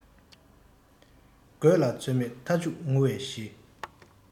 དགོད ལ ཚོད མེད མཐའ མཇུག ངུ བའི གཞི